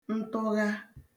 ntụgha